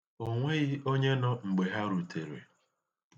O nweghi onye nọ mgbe ha rutere.